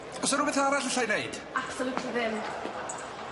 O's 'na rwbeth arall allai neud? Absolutely ddim.